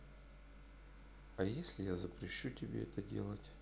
а если я запрещаю тебе это делать